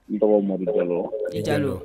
N i